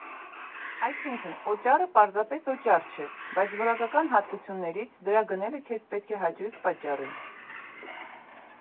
Այսինքն՝ օճառը պարզապես օճառ չէ, բացի որակական հատկություններից, դրա գնելը քեզ պետք է հաճույք պատճառի։